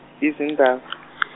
izindaba.